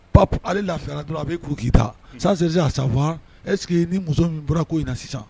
Papu ale lafiyala dɔrɔn a b'i ko k'i da sans chercher à savoir, est ce que n ni muso min bɔra ko in na sisan